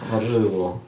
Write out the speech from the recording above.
Horrible.